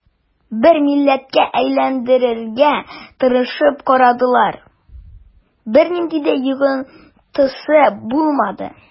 Бер милләткә әйләндерергә тырышып карадылар, бернинди дә йогынтысы булмады.